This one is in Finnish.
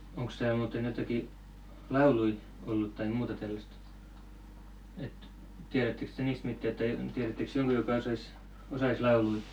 onkos täällä muuten jotakin lauluja ollut tai muuta tällaista että tiedättekös te niistä mitään tai tiedättekös jonkun joka osaisi osaisi lauluja